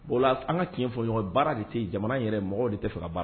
Bon la an ka tiɲɛ fɔ ɲɔgɔn baara de tɛ jamana yɛrɛ mɔgɔ de tɛ faga baara